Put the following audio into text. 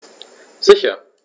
Sicher.